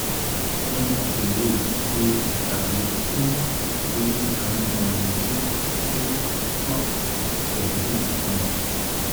N kò lè kígbe tàbí ké torí àwọn mọ̀lẹbí t’ọ́n wà pẹ̀lú mi.